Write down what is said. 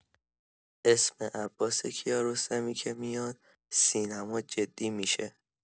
اسم عباس کیارستمی که میاد، سینما جدی می‌شه.